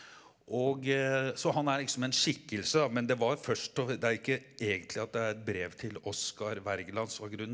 og så han er liksom en skikkelse da men det var først og det er ikke egentlig at det er et brev til Oscar Wergeland som er grunnen.